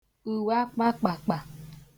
uweakpàkpàkpà